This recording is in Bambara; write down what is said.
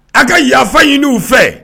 A ka yafa ɲini u fɛ